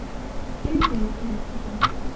Өйгә кереп китә.